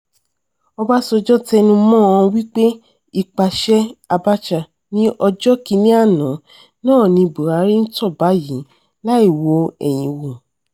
Ọbásanjọ́ tẹnumọ́ọ wípé "ipasẹ̀ " Abacha ní ọjọ́ kínní àná náà ni Buhari ń tọ́ báyìí "láì wo ẹ̀yìn wò."